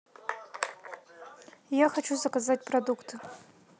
я хочу заказать продукты